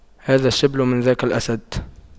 هذا الشبل من ذاك الأسد